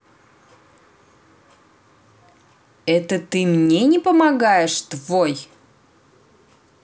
это ты мне не помогаешь твой